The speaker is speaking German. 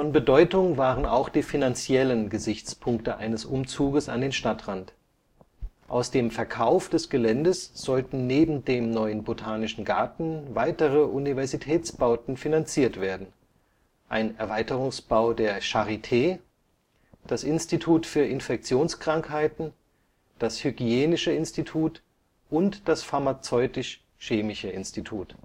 Bedeutung waren auch die finanziellen Gesichtspunkte eines Umzuges an den Stadtrand. Aus dem Verkauf des Geländes sollten neben dem neuen Botanischen Garten weitere Universitätsbauten finanziert werden: ein Erweiterungsbau der Charité, das Institut für Infektionskrankheiten, das Hygienische Institut und das Pharmazeutisch-chemische Institut